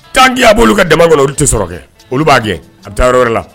Tant que a b'olu ka dama kɔnɔ olu tɛ sɔrɔ kɛ, olu b'a gɛn, a bɛ taa yɔrɔ wɛrɛ la.